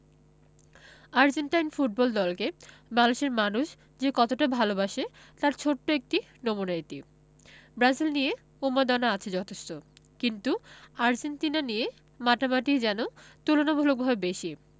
Argentine football দলকে বাংলাদেশের মানুষ যে কতটা ভালোবাসে তার ছোট্ট একটা নমুনা এটি ব্রাজিল নিয়েও উন্মাদনা আছে যথেষ্ট কিন্তু আর্জেন্টিনা নিয়ে মাতামাতিই যেন তুলনামূলকভাবে বেশি